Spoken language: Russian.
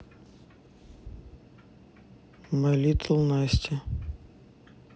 май литл настя